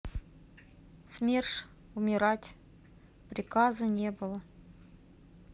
смерш умирать приказа не было